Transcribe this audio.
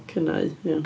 Cynnau. Ie.